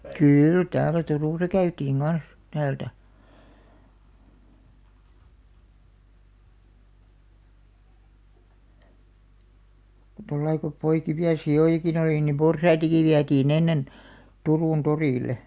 kyllä täällä Turussa käytiin kanssa täältä tuolla lailla kun poikivia sikojakin oli niin porsaitakin vietiin ennen Turun torille